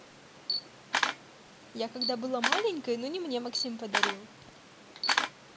я когда была маленькой но не мне максим подарил